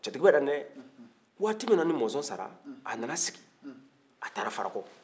cɛtigiba dante waati minna ni monzon sara a nana sigi a taara farako